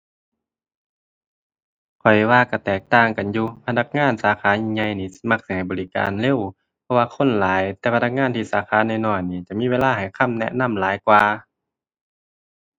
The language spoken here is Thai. ข้อยว่าก็แตกต่างกันอยู่ พนักงานสาขาใหญ่ใหญ่นี่สิมักสิให้บริการเร็วเพราะว่าคนหลาย แต่พนักงานที่สาขาน้อยน้อยนี่จะมีเวลาให้คำแนะนำหลายกว่า